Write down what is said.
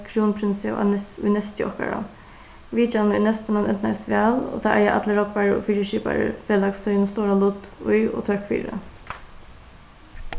krúnprinsi á í neysti okkara vitjanin í neystinum eydnaðist væl og tað eiga allir rógvarar og fyriskiparar felags sín stóra lut í og tøkk fyri